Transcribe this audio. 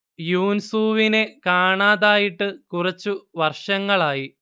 യൂൻസൂവിനെ കാണാതായിട്ട് കുറച്ചു വർഷങ്ങൾ ആയി